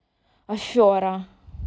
афера